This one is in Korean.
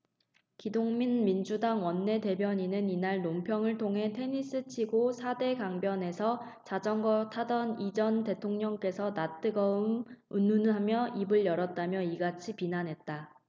기동민 민주당 원내대변인은 이날 논평을 통해 테니스 치고 사 대 강변에서 자전거 타던 이 전 대통령께서 낯 뜨거움 운운하며 입을 열었다며 이같이 비난했다